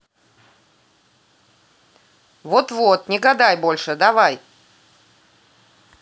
вот вот не гадай больше давай